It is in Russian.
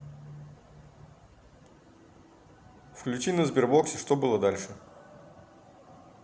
включи на сбербоксе что было дальше